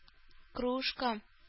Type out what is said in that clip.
Кружка